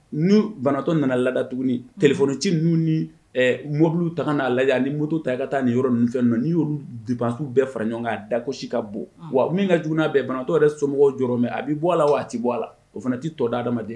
Ni banabatɔ nana lada tuguni ,unhun, telefɔni ci ninnu ni ɛ mɔbiliw ta kan'a lajɛ a ni moto ta i ka taa ni yɔrɔ ninnu, fɛn ninnu na, ni y'olu depenses bɛɛ fara ɲɔgɔn kan dakɔsi ka bɔ, un, wa min ka jugu n'a bɛɛ ye banabatɔ yɛrɛ somɔgɔw jɔrɔlen bɛ, a bɛ bɔ a la wa a tɛ bɔ a la, o fana tɛ tɔ da adamaden.